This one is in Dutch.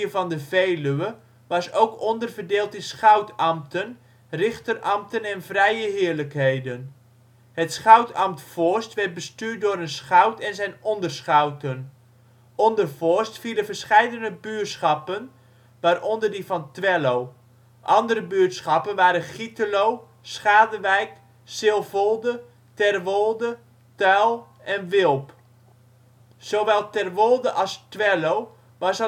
van de Veluwe, was ook onderverdeeld in schoutambten, richterambten en vrije heerlijkheden. Het schoutambt Voorst werd bestuurd door een schout en zijn onderschouten. Onder Voorst vielen verscheidene buurschappen, waaronder die van Twello. Andere buurtschappen waren Gietelo, Schadewijk, Silvolde, Terwolde, Tuil en Wilp. Zowel Terwolde als Twello was